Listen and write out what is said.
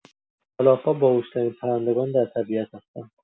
کلاغ‌ها باهوش‌ترین پرندگان در طبیعت هستند.